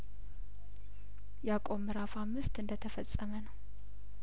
ያእቆብ ምእራፍ አምስት እንደተጻፈው ነው